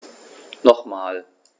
Nochmal.